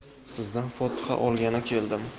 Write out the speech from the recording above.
sizdan fotiha olgani keldim